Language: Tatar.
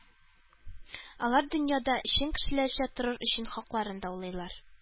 Алар дөньяда чын кешеләрчә торыр өчен хакларын даулыйлар